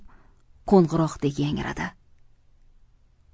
qo'ng'iroqdek yangradi